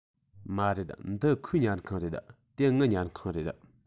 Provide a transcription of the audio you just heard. མ རེད འདི ཁོའི ཉལ ཁང རེད དེ ངའི ཉལ ཁང རེད